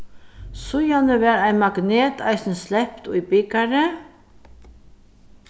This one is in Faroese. síðani varð ein magnet eisini slept í bikarið